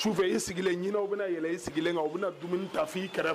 Sufɛ i sigilen ɲinanw bi na yɛlɛ i sigilen kan u bi na dumuni ta fɔ i kɛrɛfɛ